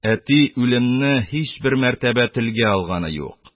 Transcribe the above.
Әти үлемне һичбер мәртәбә телгә алганы юк.